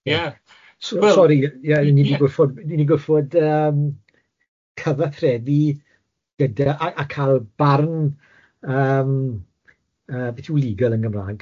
Ie so sori ie ni di gorffod ni di gorffod yym cyfarthredu gyda a a cael barn yym yy beth yw legal yn Gymrag?